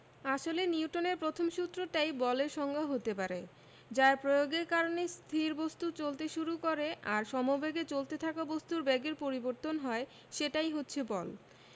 আসলে নিউটনের প্রথম সূত্রটাই বলের সংজ্ঞা হতে পারে যার প্রয়োগের কারণে স্থির বস্তু চলতে শুরু করে আর সমবেগে চলতে থাকা বস্তুর বেগের পরিবর্তন হয় সেটাই হচ্ছে বল